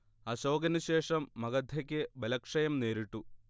അശോകനുശേഷം മഗധയ്ക്ക് ബലക്ഷയം നേരിട്ടു